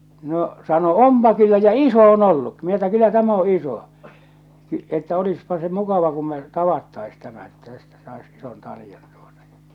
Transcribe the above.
no sanoi onpa kyllä ja iso on ollutkin minä että kyllä tämä on iso että olisipa se mukava kun me tavattaisiin tämä että tästä saisi ison taljan tuota ja